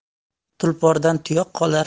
tulpordan tuyoq qolar